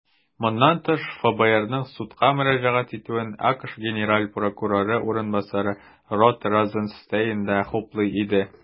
Моннан тыш, ФБРның судка мөрәҗәгать итүен АКШ генераль прокуроры урынбасары Род Розенстейн да хуплый иде.